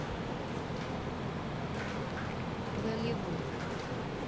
голливуд